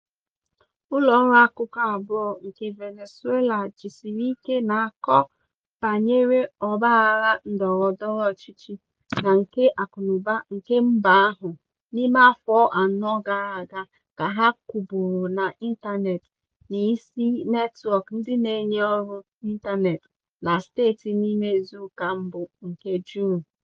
Ụlọọrụ akụkọ abụọ nke Venezuela jisiri ike na-akọ banyere ọgbaaghara ndọrọndọrọ ọchịchị na nke akụnaụba nke mba ahụ n'ime afọ anọ gara aga ka a kụpụrụ n'ịntanetị n'isi netwọk ndị na-enye ọrụ ịntanetị na steeti n'ime izuụka mbụ nke Juun.